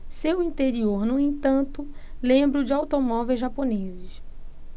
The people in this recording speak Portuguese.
seu interior no entanto lembra o de automóveis japoneses